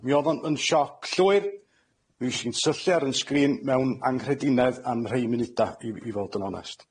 Mi o'dd o'n yn sioc llwyr. Mi fush i'n syllu ar 'yn sgrin mewn anghredinedd am rhei munuda, i i fod yn onast.